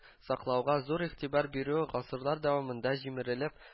Саклауга зур игътибар бирүе гасырлар дәвамында җимерелеп